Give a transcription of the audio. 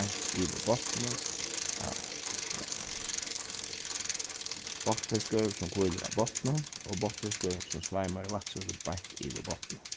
beint yvir botninum ja botnfiskur sum hvílir á botninum og botnfiskur sum sveimar í vatnsúlu beint yvir botninum